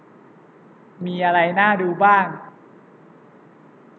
มีอะไรน่าดูบ้าง